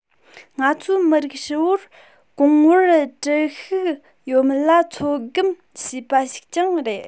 ང ཚོའི མི རིགས ཧྲིལ པོར གོང བུར འགྲིལ ཤུགས ཡོད མེད ལ ཚོད བགམ བྱས པ ཞིག ཀྱང རེད